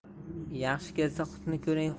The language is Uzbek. yaxshi kelsa hutni ko'ring